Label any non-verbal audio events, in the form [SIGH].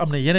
[BREATH] [HESITATION] [HESITATION]